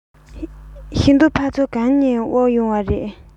ཤིང ཏོག ཕ ཚོ ག ནས དབོར ཡོང བ རེད